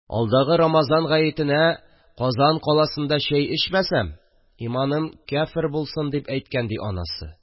Алдагы рамазан гаетенә Казан каласында чәй эчмәсәм, иманым кяфер булсын, дип әйткән ди анысы